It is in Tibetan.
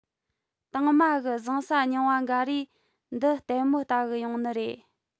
དང མ གི བཟང ས རྙིང བ འགའ རེ འདི ལྟད མོ ལྟ གི ཡོང ནི རེད